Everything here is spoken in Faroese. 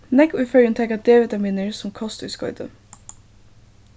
nógv í føroyum taka d-vitaminir sum kostískoyti